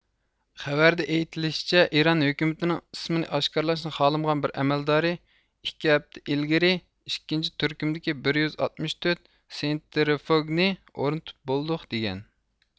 خەۋەردە ئېيتىلىشىچە ئىران ھۆكۈمىتىنىڭ ئىسمىنى ئاشكارىلاشنى خالىمىغان بىر ئەمەلدارى ئىككى ھەپتە ئىلگىرى ئىككىنچى تۈركۈمدىكى بىر يۈز ئاتمىش تۆت سېنترىفۇگنى ئورنىتىپ بولدۇق دېگەن